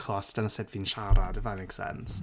Achos dyna sut fi'n siarad if that makes sense.